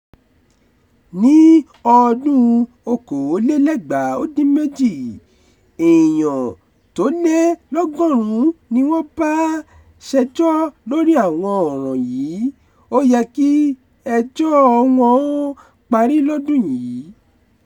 Ní 2018, èèyàn tó lé lọ́gọ́rùn-ún ni wọ́n bá ṣẹjọ́ lórí àwọn ọ̀ràn yìí. Ó yẹ kí ẹjọ́ọ wọn ó parí lọ́dún yìí.